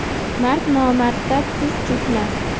mard nomardga tiz cho'kmas